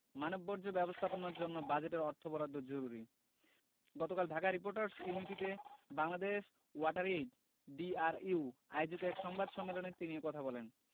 মানববর্জ্য ব্যবস্থাপনার জন্য বাজেটের অর্থ বরাদ্দ জরুরি গতকাল ঢাকা রিপোর্টার্স ইউনিটিতে বাংলাদেশ ওয়াটার এইড ডিআরইউ আয়োজিত এক সংবাদ সম্মেলন তিনি এ কথা বলেন